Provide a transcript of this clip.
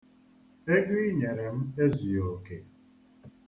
Ego i nyere m ezughị oke.